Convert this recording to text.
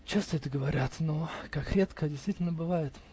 Часто это говорят, но как редко действительно бывает!